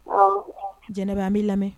Jɛnɛ an bɛ lamɛn